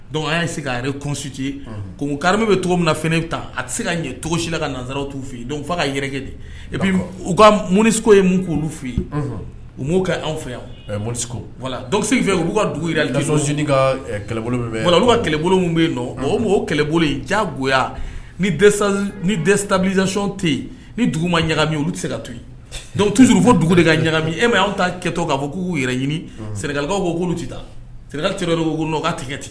Dɔnku an y'se ka yɛrɛ kunsi ci ko karimɛ bɛ cogo min na fini ta a tɛ se ka ɲɛ cogosi la ka nanzsaraw tu yen dɔnku fa ka yɛrɛ kɛ de u ka munso ye mun' olu fɛ yen u'o kɛ anw fɛ yan wala fɛ k'u ka dugu yɛrɛ ka kɛlɛbolo' ka kɛlɛbolo bɛ yen o kɛlɛbolo jagoya ni dɛsɛ ni dɛsɛ tazcon tɛ yen ni dugu ma ɲaga olu tɛ se ka to yen dɔnku tuur u fo dugu de ka ɲagami e anw ta kɛtɔ kan fɔ ku yɛrɛ ɲini sɛnɛkakaw ko'olu tɛ taa sɛnɛti ka tigɛ ten